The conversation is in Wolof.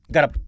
garab